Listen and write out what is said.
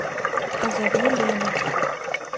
позови лену